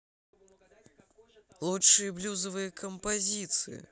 лучшие блюзовые композиции